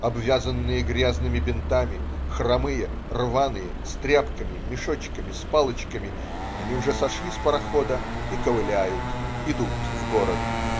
Обвязанные грязными бинтами, хромые, рваные, с тряпками, мешочками, с палочками, они уже сошли с парохода и ковыляют, идут в город.